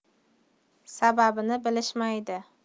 sababini bilishmaydi